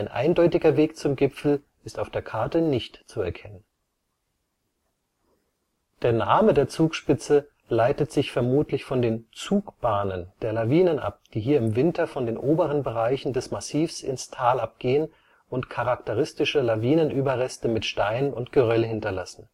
eindeutiger Weg zum Gipfel ist auf der Karte nicht zu erkennen. Der Name der Zugspitze leitet sich vermutlich von den „ Zugbahnen “der Lawinen ab, die hier im Winter von den oberen Bereichen des Massivs ins Tal abgehen und charakteristische Lawinenüberreste mit Steinen und Geröll hinterlassen